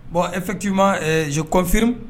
Bon efi kki'i ma ze kɔnfiri